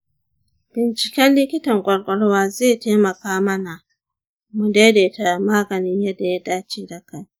binciken likitan ƙwaƙwalwa zai taimaka mana mu daidaita maganin yadda ya dace da kai.